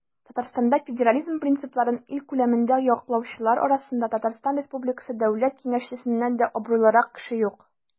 Татарстанда федерализм принципларын ил күләмендә яклаучылар арасында ТР Дәүләт Киңәшчесеннән дә абруйлырак кеше юк.